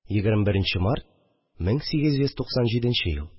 21 нче март, 1897 ел